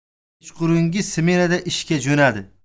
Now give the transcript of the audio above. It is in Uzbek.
kechqurungi smenaga ishga jo'nadi